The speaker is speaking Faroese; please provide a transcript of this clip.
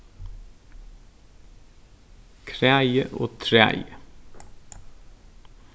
kragi og træið